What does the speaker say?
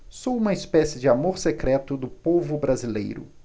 sou uma espécie de amor secreto do povo brasileiro